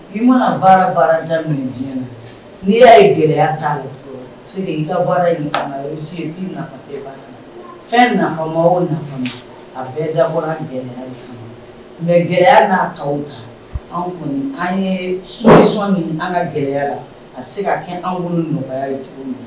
I mana baaraja n'i y'a ye gɛlɛya taa la sigi i ka baara fɛn nafa ma a bɛɛ ga bɔra gɛlɛya mɛ gɛlɛya'a ta ta anw kɔni an ye sosɔn ɲini an ka gɛlɛya la a tɛ se ka kɛ an nɔgɔya